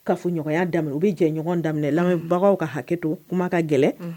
K kaa fɔɲɔgɔnya daminɛ u bɛ jɛɲɔgɔn daminɛ bagaw ka hakɛ to kuma ka gɛlɛn